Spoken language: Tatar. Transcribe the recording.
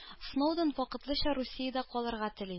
Сноуден вакытлыча Русиядә калырга тели